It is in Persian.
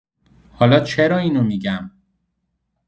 حالا چرا اینو می‌گم؟